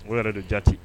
O yɛrɛ don jate